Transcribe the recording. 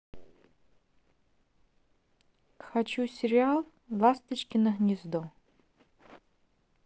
хочу сериал ласточкино гнездо